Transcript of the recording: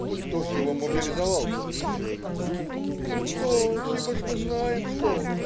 " "Да кто его мобилизовал-то?" "Кто, хиба ж мы знаем кто?